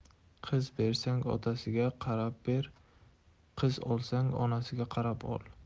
qiz bersang otasiga qarab ber qiz olsang onasiga qarab ol